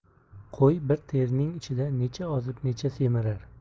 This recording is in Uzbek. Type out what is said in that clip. qo'y bir terming ichida necha ozib necha semirar